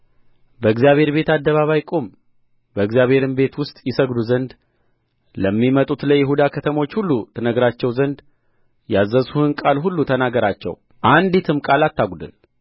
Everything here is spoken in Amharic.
በእግዚአብሔር ቤት አደባባይ ቁም በእግዚአብሔርም ቤት ውስጥ ይሰግዱ ዘንድ ለሚመጡት ለይሁዳ ከተሞች ሁሉ ትነግራቸው ዘንድ ያዘዝሁህን ቃል ሁሉ ተናገራቸው አንዲትም ቃል አትግወድል